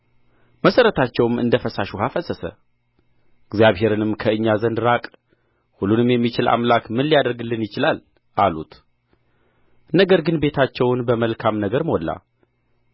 መሠረታቸውም እንደ ፈሳሽ ውኃ ፈሰሰ እግዚአብሔርንም ከእኛ ዘንድ ራቅ ሁሉንም የሚችል አምላክ ምን ሊያደርግልን ይችላል አሉት ነገር ግን ቤታቸውን በመልካም ነገር ሞላ